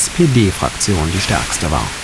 SPD-Fraktion die stärkste war.